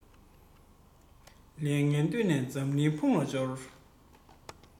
ལམ ངན བཏོད ནས འཛམ གླིང འཕུང ལ སྦྱོར